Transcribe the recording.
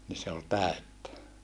niin se oli täyttä